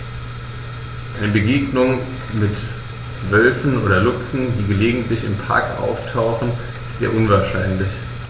Eine Begegnung mit Wölfen oder Luchsen, die gelegentlich im Park auftauchen, ist eher unwahrscheinlich.